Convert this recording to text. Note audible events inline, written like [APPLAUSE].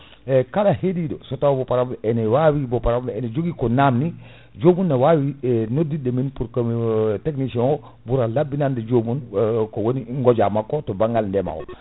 eyyi kala heɗiɗo so tawi * mo * ene joogui ko namdi joomum ne wawi e noddidde min pour que [HESITATION] technicien o ɓuura laɓɓinande joomun [HESITATION] ko woni goƴa makko to banggal ndeema o [BREATH]